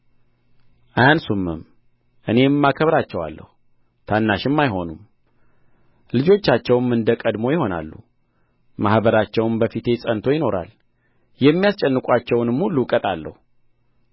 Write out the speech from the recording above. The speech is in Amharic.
አያንሱምም እኔም አከብራቸዋለሁ ታናሽም አይሆኑም ልጆቻቸውም እንደ ቀድሞ ይሆናሉ ማኅበራቸውም በፊቴ ጸንቶ ይኖራል የሚያስጨንቋቸውንም ሁሉ እቀጣለሁ